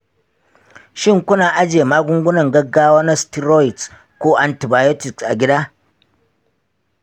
shin kuna ajiye magungunan gaggawa na steroids ko antibiotics a gida?